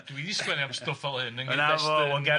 Dwi wedi sgwennu am stwff fel hyn ... na fo... yn